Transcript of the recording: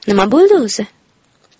nima bo'ldi o'zi